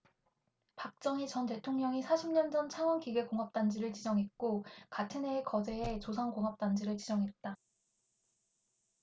박정희 전 대통령이 사십 년전 창원기계공업단지를 지정했고 같은해에 거제에 조선공업단지를 지정했다